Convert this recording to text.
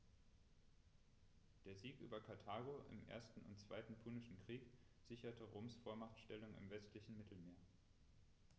Der Sieg über Karthago im 1. und 2. Punischen Krieg sicherte Roms Vormachtstellung im westlichen Mittelmeer.